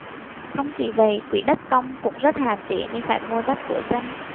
không chỉ vậy quỹ đất công cũng rất hạn chế nên phải mua đất của dân